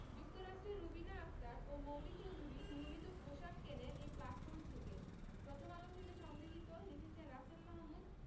যুক্তরাষ্ট্রের রুবিনা আক্তার ও মৌরি চৌধুরী নিয়মিত পোশাক কেনেন এই প্ল্যাটফর্ম থেকে প্রথমআলো হতে সংগৃহীত লিখেছেন রাসেল মাহ্ মুদ